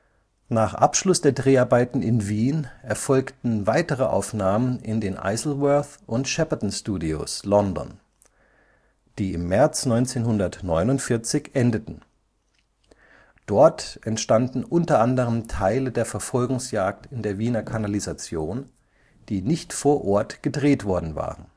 Nach Abschluss der Dreharbeiten in Wien erfolgten weitere Aufnahmen in den Isleworth und Shepperton Studios, London, die im März 1949 endeten. Dort entstanden unter anderem Teile der Verfolgungsjagd in der Wiener Kanalisation, die nicht vor Ort gedreht worden waren